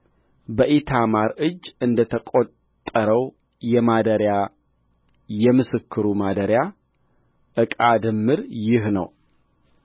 በኢታማር እጅ እንደ ተቈጠረው የማደሪያው የምስክሩ ማደሪያ ዕቃ ድምር ይህ ነው